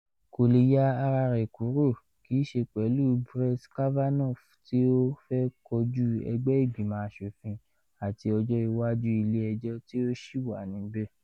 Kole ya ara rẹ kúrò, kiiṣe pẹlu Brett Kavanaugh ti o fẹ kọju ẹgbẹ igbimọ aṣofin ati ọjọ iwaju Ile ẹjọ ti o ṣi wa nibẹ.